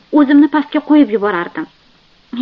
o'zimni pastga qo'yib yuborardim